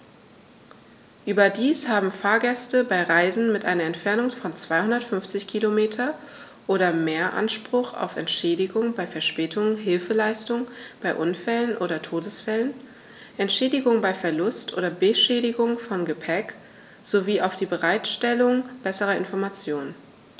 Überdies haben Fahrgäste bei Reisen mit einer Entfernung von 250 km oder mehr Anspruch auf Entschädigung bei Verspätungen, Hilfeleistung bei Unfällen oder Todesfällen, Entschädigung bei Verlust oder Beschädigung von Gepäck, sowie auf die Bereitstellung besserer Informationen.